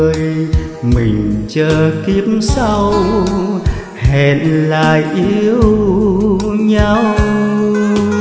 mình chờ kiếp sau hẹn lại yêu nhau